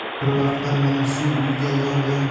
bir vaqtlar mana shu uyga yor